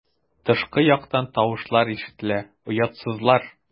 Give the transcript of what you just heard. Тышкы яктан тавышлар ишетелә: "Оятсызлар!"